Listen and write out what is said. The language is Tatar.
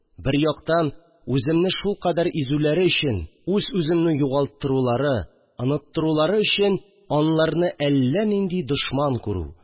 Бер яктан, үземне шулкадәр изүләре өчен, үз-үземне югалтттырулары, оныттырулары өчен аларны әллә нинди дошман күрү